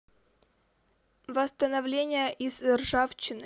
восстановление из ржавчины